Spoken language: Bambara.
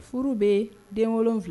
Furu bɛ den 7